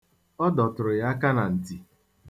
Ọ dọtụrụ ya aka na ntị.